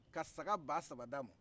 ka saga ba saba d'a ma